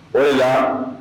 O